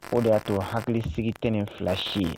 O de y'a to hakilisigi tɛ ni fila si ye